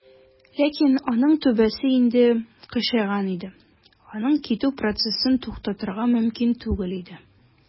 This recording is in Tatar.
Ләкин аның түбәсе инде "кыйшайган" иде, аның китү процессын туктатырга мөмкин түгел иде.